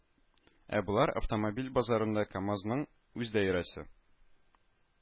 Ә болар автомобиль базарында КамАЗның үз даирәсе